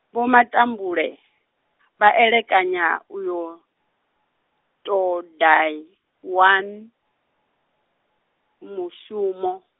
Vho Matambule, vha elekanya uyo, ṱoḓa yone, mushumo.